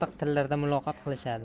ortiq tillarda muloqot qilishadi